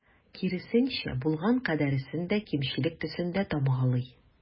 Киресенчә, булган кадәресен дә кимчелек төсендә тамгалый.